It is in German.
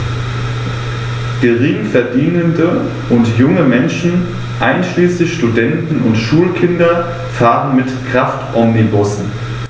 Geringverdienende und junge Menschen, einschließlich Studenten und Schulkinder, fahren mit Kraftomnibussen.